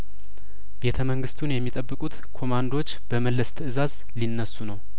ቤተ መንግስቱን የሚጠብቁት ኮማንዶዎች በመለስ ትእዛዝ ሊነሱ ነው